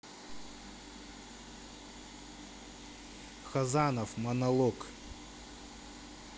хазанов монолог